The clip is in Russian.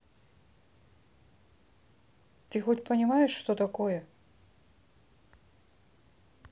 ты хоть понимаешь что такое